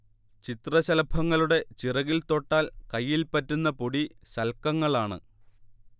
ചിത്രശലഭങ്ങളുടെ ചിറകിൽത്തൊട്ടാൽ കൈയിൽ പറ്റുന്ന പൊടി ശൽക്കങ്ങളാണ്